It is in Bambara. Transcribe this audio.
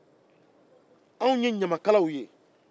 anw ye ɲamakalaw ye